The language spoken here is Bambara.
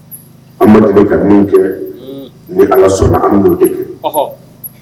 Adama ka ɲumanw kɛ ni ala sɔnna an' de kɛ